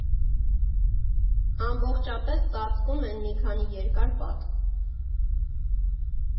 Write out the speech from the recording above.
Ամբողջապես ծածկում են մի քանի երկար պատ։